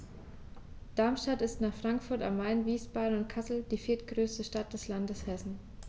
Darmstadt ist nach Frankfurt am Main, Wiesbaden und Kassel die viertgrößte Stadt des Landes Hessen